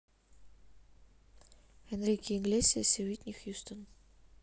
энрике иглесиас и уитни хьюстон